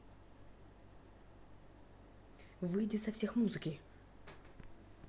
выйди со всех музыки